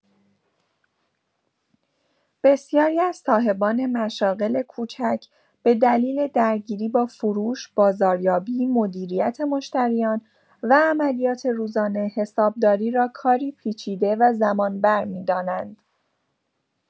بسیاری از صاحبان مشاغل کوچک، به‌دلیل درگیری با فروش، بازاریابی، مدیریت مشتریان و عملیات روزانه، حسابداری را کاری پیچیده و زمان‌بر می‌دانند؛